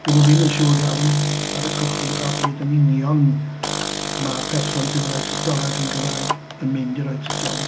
'Dyn nhw ddim yn siŵr iawn ar y cychwyn pa bryd yn union ma'r person sydd yn roi tystiolaeth yn Gymraeg yn mynd i roi tystiolaeth.